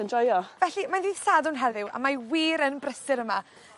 yn joio. Felly mae'n ddydd Dadwrn heddiw a mae wir yn brysur yma.